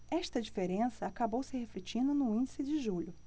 esta diferença acabou se refletindo no índice de julho